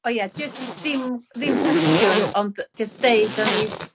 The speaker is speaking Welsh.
O ia jys ddim ddim cwestiwn ond jys deud o'n i